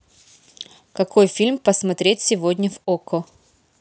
какой фильм посмотреть сегодня в окко